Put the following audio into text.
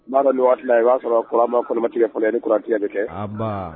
N'a nana a ye y'a sɔrɔma kɔnɔmatigɛkɛ ye ni kurantigɛya kɛ kɛ